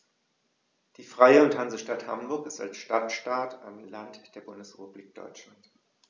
Die Freie und Hansestadt Hamburg ist als Stadtstaat ein Land der Bundesrepublik Deutschland.